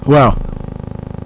waa